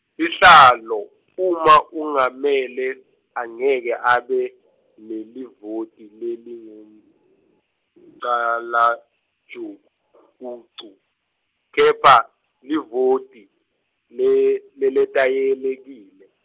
sihlalo , uma engamele, angeke abe, nelivoti lelingumncamlajucu -cu, kepha livoti, le, leletayelekile.